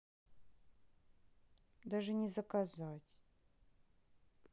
даже не заказать